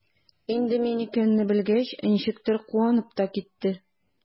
Инде мин икәнне белгәч, ничектер куанып та китте.